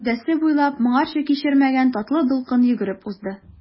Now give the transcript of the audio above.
Гәүдәсе буйлап моңарчы кичермәгән татлы дулкын йөгереп узды.